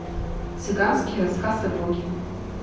цыганский рассказ о боге